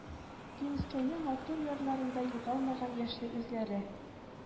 Димескәйнең матур ярларында югалмаган яшьлек эзләре